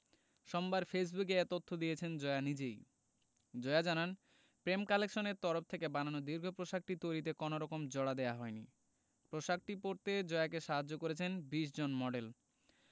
সোমবার ফেসবুকে এ তথ্য দিয়েছেন জয়া নিজেই জয়া জানান প্রেম কালেকশন এর তরফ থেকে বানানো দীর্ঘ পোশাকটি তৈরিতে কোনো রকম জোড়া দেয়া হয়নি পোশাকটি পরতে জয়াকে সাহায্য করেছেন ২০ জন মডেল